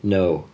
No.